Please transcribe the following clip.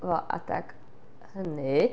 Wel adeg hynny.